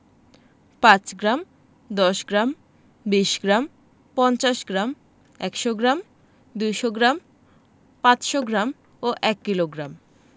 ৫ gram ১০গ্ৰাম ২০ gram ৫০ gram ১০০ gram ২০০ gram ৫০০ gram ও ১ kilogram